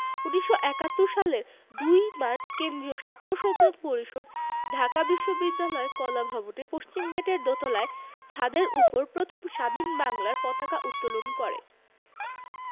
১৯৭১ সালের ২ মার্চ কেন্দ্রীয় ছাত্র সংগ্রাম পরিষদ ঢাকা বিশ্ববিদ্যালয় কলাভবনের পশ্চিমগেটের দোতলায় ছাদের উপর প্রথম স্বাধীন বাংলার পতাকা উত্তোলন করে